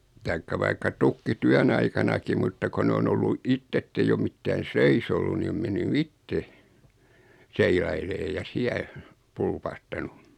tai vaikka tykkityön aikanakin mutta kun ne on ollut itse että ei ole mitään seis ollut niin on mennyt itse seilailemaan ja siellä pulpahtanut